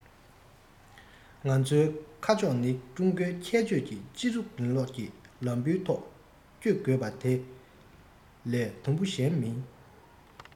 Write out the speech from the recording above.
ང ཚོའི ཁ ཕྱོགས ནི ཀྲུང གོའི ཁྱད ཆོས ཀྱི སྤྱི ཚོགས རིང ལུགས ཀྱི ལམ བུའི ཐོག བསྐྱོད དགོས པ དེ ལས ལམ བུ གཞན མིན